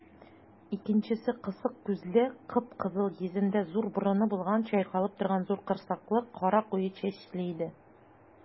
Икенчесе кысык күзле, кып-кызыл йөзендә зур борыны булган, чайкалып торган зур корсаклы, кара куе чәчле иде.